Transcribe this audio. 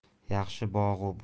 yaxshi bog' u